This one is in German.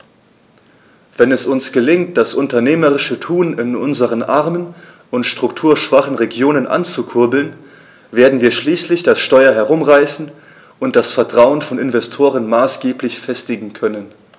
Wenn es uns gelingt, das unternehmerische Tun in unseren armen und strukturschwachen Regionen anzukurbeln, werden wir schließlich das Steuer herumreißen und das Vertrauen von Investoren maßgeblich festigen können.